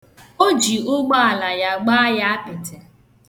O ji ụgbaala ya gbaa ya apịtị.